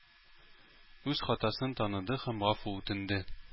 Үз хатасын таныды һәм гафу үтенде.